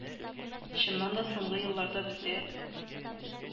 Чыннан да, соңгы елларда бездә